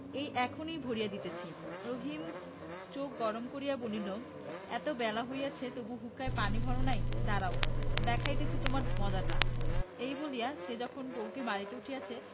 এই এখনই ভরিয়া দিতেছি রহিম চোখ গরম করিয়া বলিল এত বেলা হইয়াছে তবু হুঁকায় পানির ভর নাই দাঁড়াও দেখাইতেছি তোমায় মজাটা এই বলিয়া সে যখন বউকে মারিতে উঠিয়াছে